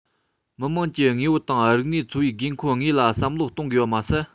མི དམངས ཀྱི དངོས པོ དང རིག གནས འཚོ བའི དགོས མཁོ དངོས ལ བསམ བློ གཏོང དགོས པ མ ཟད